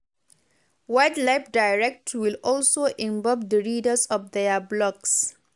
WildlifeDirect will also involve the readers of their blogs.